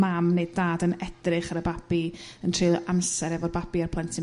mam neu dad yn edrych ar y babi yn treulio amser hefo'r babi a'r plentyn